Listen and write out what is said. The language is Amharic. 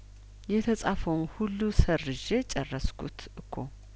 የተጻፈውን ሁሉ ሰር ዤ ጨረስኩት እኮ